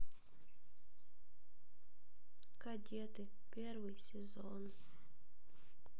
кадеты первый сезон